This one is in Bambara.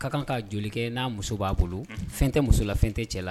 Ka kan ka joli n'a muso b'a bolo fɛn tɛ musola fɛn tɛ cɛla la